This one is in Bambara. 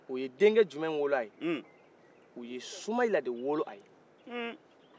o ye denkɛ junmɛ woloa ye o ye de wolo a ye